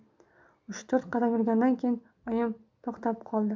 uch to'rt qadam yurgandan keyin oyim to'xtab qoldi